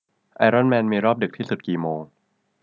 ไอรอนแมนมีรอบดึกที่สุดกี่โมง